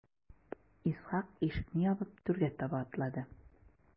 Исхак ишекне ябып түргә таба атлады.